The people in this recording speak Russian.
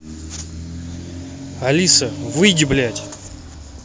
алиса выйди блядь